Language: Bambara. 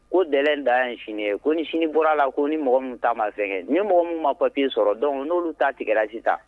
Ko dɛ da ye sini ye ko nin sini bɔra la ko ni mɔgɔ min ta ma fɛ nin mɔgɔ min ma papii sɔrɔ dɔn n'olu ta tigɛla sisan